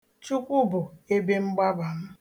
Chukwu bụ ebemgbaba m